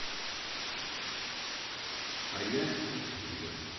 а я как всегда